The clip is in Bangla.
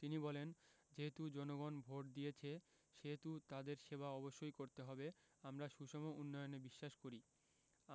তিনি বলেন যেহেতু জনগণ ভোট দিয়েছে সেহেতু তাদের সেবা অবশ্যই করতে হবে আমরা সুষম উন্নয়নে বিশ্বাস করি